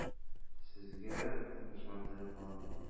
Сезгә уңышлар теләп калам.